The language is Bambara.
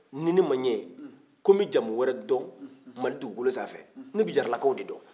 ni ne ma ɲɛ ko n bɛ jamu wɛrɛ dɔn mali dugukolo sanfɛ ne bɛ jarakaw de dɔn